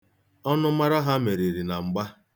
Ọnụmara ha meriri na mgba.